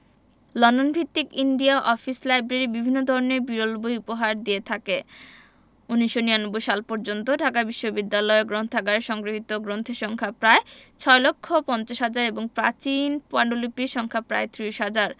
London ভিত্তিক India office library বিভিন্ন ধরনের বিরল বই উপহার দিয়ে থাকে ১৯৯৯ সাল পর্যন্ত ঢাকা বিশ্ববিদ্যালয় গ্রন্থাগারে সংগৃহীত গ্রন্থের সংখ্যা প্রায় ৬ লক্ষ ৫০ হাজার এবং প্রাচীন পান্ডুলিপির সংখ্যা প্রায় ত্রিশ হাজার